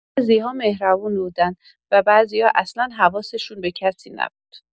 بعضی‌ها مهربون بودن و بعضی‌ها اصلا حواسشون به کسی نبود.